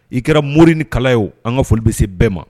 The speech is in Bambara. I kɛra mori ni kala ye an ka foli bɛ se bɛɛ ma